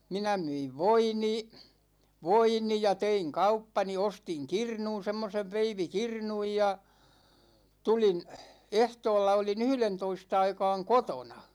minä myin voini voini ja tein kauppani ostin kirnun semmoisen veivikirnun ja tulin ehtoolla olin yhdentoista aikaan kotona